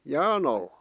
jään alle